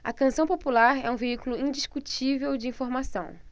a canção popular é um veículo indiscutível de informação